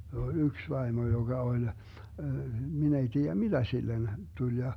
se on yksi vaimo joka oli minä ei tiedä mitä sille tuli ja